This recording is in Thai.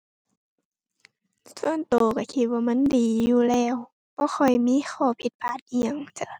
ส่วนตัวตัวคิดว่ามันดีอยู่แล้ว บ่ค่อยมีข้อผิดพลาดอิหยังจ้ะ